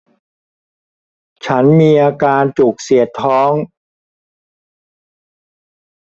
ฉันมีอาการจุกเสียดท้อง